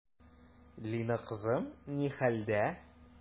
Лина кызым ни хәлдә?